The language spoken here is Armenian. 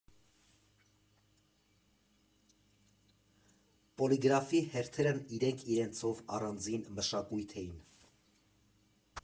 Պոլիգրաֆի հերթերն իրենք իրենցով առանձին մշակույթ էին։